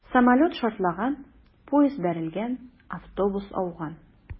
Самолет шартлаган, поезд бәрелгән, автобус ауган...